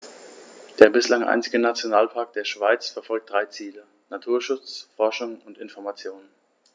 Der bislang einzige Nationalpark der Schweiz verfolgt drei Ziele: Naturschutz, Forschung und Information.